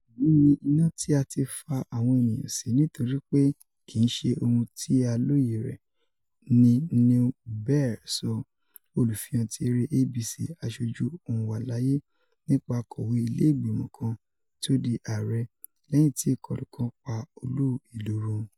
"Eyi ni ina ti a ti fa awọn eniyan si nitoripe kiiṣe ohun ti a loye rẹ," ni Neal Baer sọ, olufihan ti ere ABC "Aṣoju Onwalaye," nipa akọwe ile-igbimọ kan ti o di arẹ lẹhin ti ikolu kan pa Olu-ilu run.